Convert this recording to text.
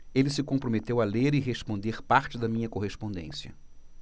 ele se comprometeu a ler e responder parte da minha correspondência